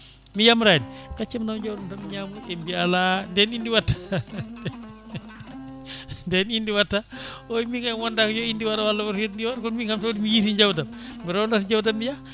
mi yamirani gacce mi nawa jawdam tan mi ñamoya ɓe mbi ala nden inde watta nden inde watta o wi min kayi mi wondaka yo inde waat walla oto inde waat kono min kaam tawde mi yiiti jawdam mi rondoto jawdam mi yaaka